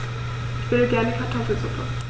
Ich will gerne Kartoffelsuppe.